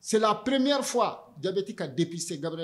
c'est la première fois que diabète ka depisté Gabriel Ture la